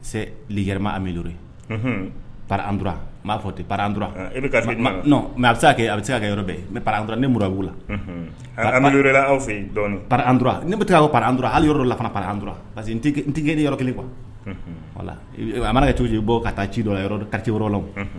Se yɛrɛma mitura m b'a fɔ tɛ paura mɛ a a bɛ se ka yɔrɔ mɛ ne bɔra b'ula ne bɛ taa ka pa dɔrɔn hali yɔrɔ la ka pa antura parce que n tɛ ni yɔrɔ kelen kuwa a mana ye cogo cogo bɔ ka taa ci yɔrɔ yɔrɔ kariti yɔrɔ la